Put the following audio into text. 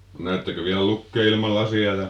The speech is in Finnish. näettekö vielä lukea ilman laseja ja